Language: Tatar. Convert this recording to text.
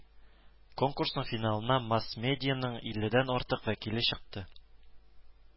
Конкурсның финалына масс медианың илледән артык вәкиле чыкты